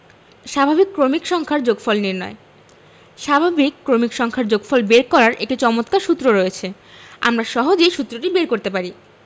স্বাভাবিক ক্রমিক সংখ্যার যোগফল নির্ণয় স্বাভাবিক ক্রমিক সংখ্যার যোগফল বের করার একটি চমৎকার সূত্র রয়েছে আমরা সহজেই সুত্রটি বের করতে পারি